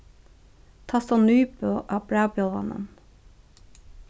tá stóð nybo á brævbjálvanum